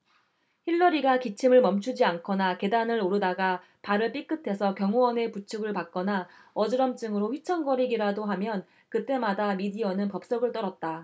힐러리가 기침을 멈추지 않거나 계단을 오르다가 발을 삐끗해서 경호원의 부축을 받거나 어지럼증으로 휘청거리기라도 하면 그 때마다 미디어는 법석을 떨었다